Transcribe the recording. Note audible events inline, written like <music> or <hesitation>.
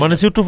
<hesitation> <hesitation>